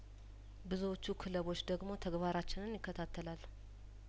ብዙዎቹ ክለቦች ደግሞ ተግባራችንን ይከታተላል